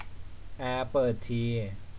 แอร์เปิดที